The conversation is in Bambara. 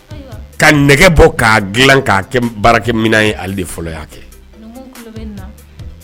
Ka nɛgɛ bɔ k' dila k'a kɛ baara min ye ale de fɔlɔ y' kɛ